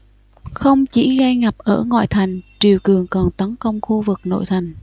không chỉ gây ngập ở ngoại thành triều cường còn tấn công khu vực nội thành